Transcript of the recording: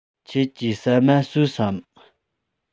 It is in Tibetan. ཁྱེད ཀྱིས ཟ མ ཟོས སམ